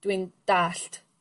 dw i'n dallt.